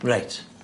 Reit.